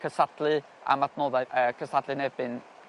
cysadlu am adnoddau yy cystadlu yn erbyn